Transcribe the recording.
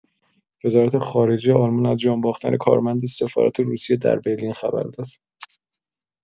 وزارت‌خارجه آلمان از جان باختن کارمند سفارت روسیه در برلین خبر داد.